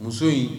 Muso in